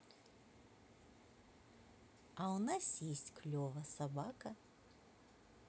а у нас есть клево собака